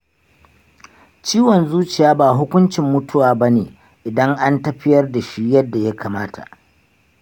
ciwon zuciya ba hukuncin mutuwa ba ne idan an tafiyar da shi yadda ya kamata.